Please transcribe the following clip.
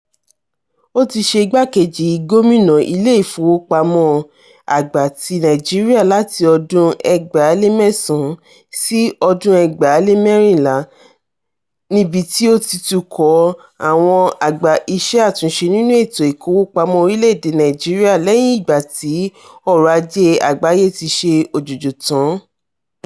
Ó ti ṣe igbá-kejì gómìnà Ilé Ìfowópamọ́ Àgbà ti Nàìjíríà láti ọdún 2009 sí 2014, níbi tí “ó ti tukọ̀ ọ àwọn àgbà iṣẹ́ àtúnṣe nínú ètò ìkówóoamọ́ orílẹ̀ èdè Nàìjíríà lẹ́yìn ìgbà tí ọrọ̀ Ajé àgbáyé ti ṣe òjòjò tán.”